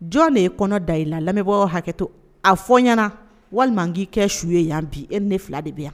Jɔn de ye kɔnɔ da i la lamɛbagaw hakɛto a fɔ ɲɛna walima nk'i kɛ su ye yan bi e ni ne 2 de be yan